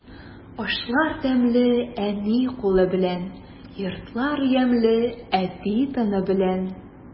Ашлар тәмле әни кулы белән, йортлар ямьле әти тыны белән.